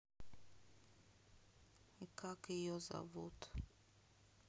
и как ее зовут